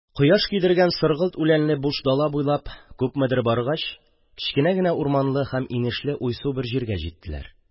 Кояш көйдергән соргылт үләнле буш дала буйлап күпмедер баргач, кечкенә генә урманлы һәм инешле уйсу бер җиргә җиттеләр.